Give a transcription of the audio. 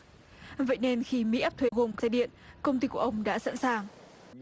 vậy nên khi mỹ áp thuế gồm dây điện công ty của ông đã sẵn sàng